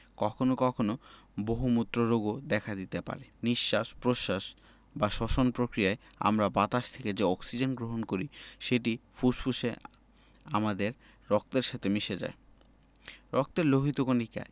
কখনো কখনো বহুমূত্র রোগও দেখা দিতে পারে নিঃশ্বাস প্রশ্বাস বা শ্বসন প্রক্রিয়ায় আমরা বাতাস থেকে যে অক্সিজেন গ্রহণ করি সেটি ফুসফুসে আমাদের রক্তের সাথে মিশে যায় রক্তের লোহিত কণিকা